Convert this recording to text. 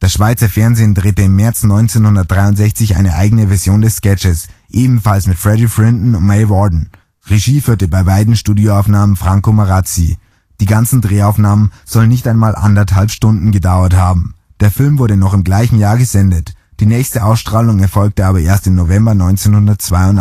Fernsehen drehte im März 1963 eine eigene Version des Sketches, ebenfalls mit Freddie Frinton und May Warden. Regie führte bei dieser Studioaufnahme Franco Marazzi. Die ganzen Drehaufnahmen sollen nicht einmal anderthalb Stunden gedauert haben. Der Film wurde noch im gleichen Jahr gesendet. Die nächste Ausstrahlung erfolgte aber erst im November 1982